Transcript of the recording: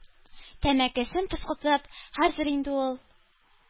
Тәмәкесен пыскытып, хәзер инде ул